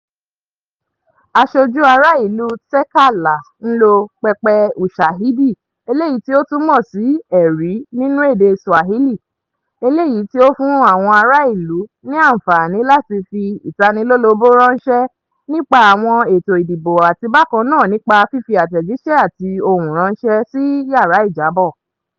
Asojú Ará ìlú àti Txeka-lá ń lo pẹpẹ Ushahidi (eléyií tí ó túmọ̀ sí "ẹ̀rí" nínú èdè Swahili), eléyìí tí ó fún àwọn ará ìlú ní àǹfààní láti fi ìtanilólobó ránṣẹ́ nípa àwọn ètò ìdìbò àti bákàn naà nípa fífi àtẹ̀jíṣẹ́ àti ohùn ránṣẹ́, sí "yàrá-ìjábọ̀"